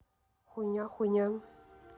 хуйня хуйня